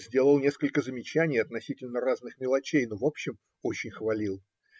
Сделал несколько замечаний относительно разных мелочей, но в общем очень хвалил.